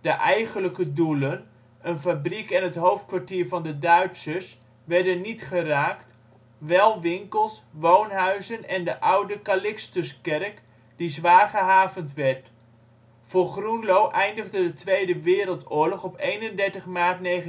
De eigenlijke doelen (een fabriek en het hoofdkwartier van de Duitsers) werden niet geraakt, wel winkels, woonhuizen en de Oude Calixtuskerk, die zwaar gehavend werd. Voor Groenlo eindigde de Tweede Wereldoorlog op 31 maart 1945